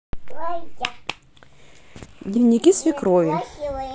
дневники свекрови